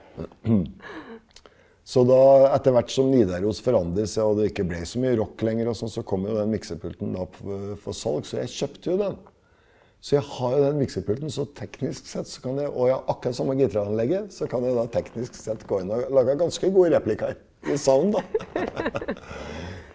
så da etter hvert som Nidaros forandrer seg og det ikke ble så mye rock lenger og sånn så kom jo den miksepulten da for salg, så jeg kjøpte jo den så jeg har jo den miksepulten så teknisk sett så kan jeg og jeg har akkurat samme gitaranlegget så kan jeg da teknisk sett gå inn og lage ganske gode replikaer i sound da .